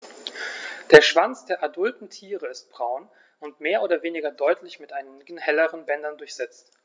Der Schwanz der adulten Tiere ist braun und mehr oder weniger deutlich mit einigen helleren Bändern durchsetzt.